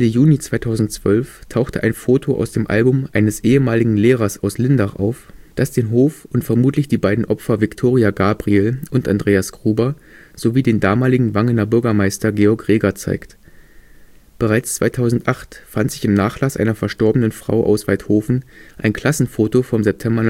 Juni 2012 tauchte ein Foto aus dem Album eines ehemaligen Lehrers aus Lindach auf, das den Hof und vermutlich die beiden Opfer Viktoria Gabriel und Andreas Gruber sowie den damaligen Wangener Bürgermeister Georg Greger zeigt. Bereits 2008 fand sich im Nachlass einer verstorbenen Frau aus Waidhofen ein Klassenfoto vom September